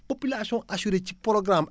population assurée ci programme